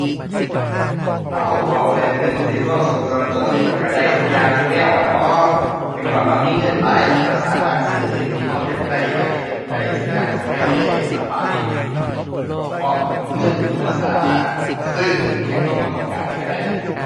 เอ้า เว้าเรื่องเงินซื้อความสุขส่วนตัวนี่มันตัวได้ซุอย่างซุแนวแหล้วเนาะ ตัวญ้อนว่ามีเงินหลายตัวตัวสามารถซื้อสิ่งที่ตัวอยากได้ อยากเฮ็ด ได้ซุอย่างซุแนวเลย สำบาย เพราะเงินนี่มันสามารถซื้ออิหยังที่ตัวต้องการตัวได้